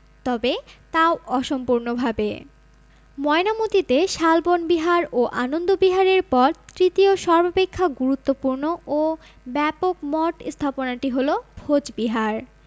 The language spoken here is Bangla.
তবে তাও অসম্পূর্ণভাবে ময়নামতীতে শালবন বিহার ও আনন্দ বিহারের পর তৃতীয় সর্বাপেক্ষা গুরুত্বপূর্ণ ও ব্যাপক মঠ স্থাপনাটি হলো ভোজবিহার